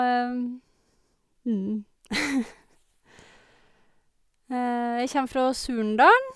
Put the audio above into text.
Jeg kjem fra Surnadalen.